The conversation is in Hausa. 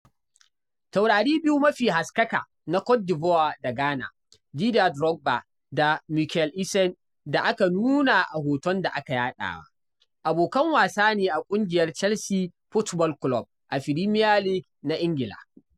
Taurari biyu mafi haske na Côte d'Ivoire da Ghana, Dider Drogba da Michael Essien (da aka nuna a hoton da aka yaɗawa), abokan wasa ne a ƙungiyar Chelsea Football Club a Premier League na Ingila.